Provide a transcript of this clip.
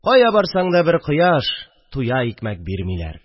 Кая барсаң да бер кояш, Туя икмәк бирмиләр